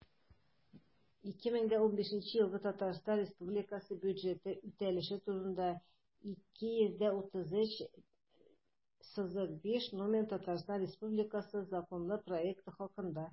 «2015 елгы татарстан республикасы бюджеты үтәлеше турында» 233-5 номерлы татарстан республикасы законы проекты хакында